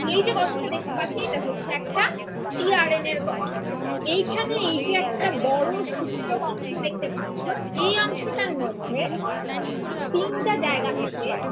এই যে ঘটনাটা দেখতে পাচ্ছি এটা হচ্ছে একটা টি আর এন এর গঠন এইখানে এইযে একটা বড় সূত্রক অংশ দেখতে পাচ্ছ এই অংশটার মধ্যে তিনটা জায়গা থাকে